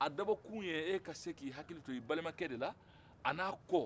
a dabɔ kun y'e ka se k'i hakili to i balimakɛ de la a n'a kɔ